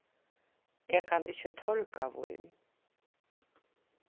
eg kann ikki torga vín